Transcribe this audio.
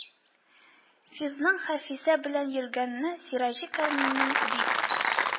Физның хафизә белән йөргәненә сираҗи кәрименең бик